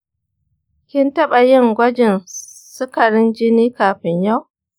kin taɓa yin gwajin sikarin jini kafin yau?